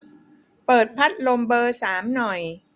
เปิดพัดลมเบอร์สามหน่อย